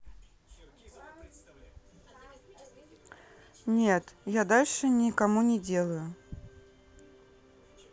нет я дальше не никому не делаю